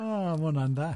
O, ma' hwnna'n da.